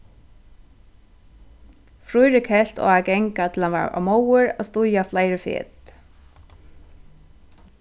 fríðrik helt á at ganga til hann var ov móður at stíga fleiri fet